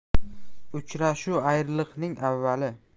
uchrashuv ayriliqning avvali